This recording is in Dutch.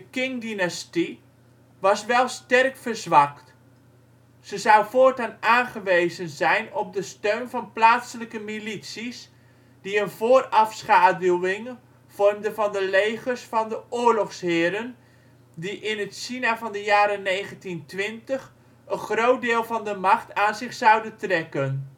Qing-dynastie was wel sterk verzwakt. Ze zou voortaan aangewezen zijn op de steun van plaatselijke milities, die een voorafschaduwing vormden van de legers van de oorlogsheren, die in het China van de jaren 1920 een groot deel van de macht aan zich zouden trekken